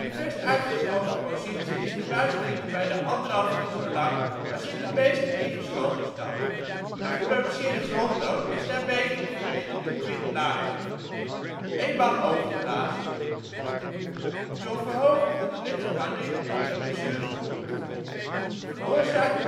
verst uitgeschoven positie is de buislengte bijna anderhalf keer zo lang als in de meest ingeschoven stand. De geproduceerde grondtoon is daarmee een verminderde kwint lager. Eénmaal overblazen - door verhogen van de lipspanning, embouchure genoemd veroorzaakt